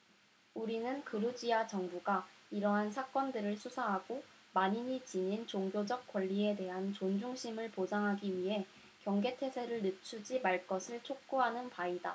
우리는 그루지야 정부가 이러한 사건들을 수사하고 만인이 지닌 종교적 권리에 대한 존중심을 보장하기 위해 경계 태세를 늦추지 말 것을 촉구하는 바이다